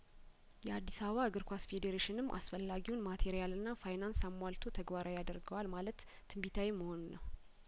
የአዲስ አበባ እግር ኳስ ፌዴሬሽንም አስፈላጊውን ማቴሪያልና ፋይናንስ አሟልቶ ተግባራዊ ያደርገዋል ማለትትን ቢታዊ መሆን ነው